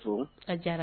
Ko a diyara